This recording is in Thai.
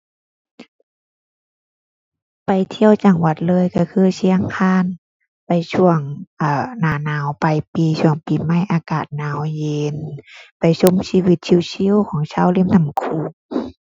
ไปเที่ยวจังหวัดเลยก็คือเชียงคาน ไปช่วง เอ่อ หน้าหนาวปลายปี ช่วงปีใหม่อากาศหนาวเย็น ไปชมชีวิตชิลชิลของชาวริมน้ำโขง